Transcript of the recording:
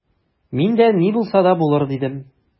Мин дә: «Ни булса да булыр»,— дидем.